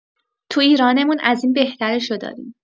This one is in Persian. تو ایرانمون از این بهترشو داریم